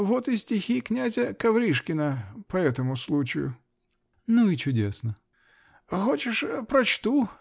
Вот и стихи князя Коврижкина по этому случаю. -- Ну и чудесно. -- Хочешь, прочту?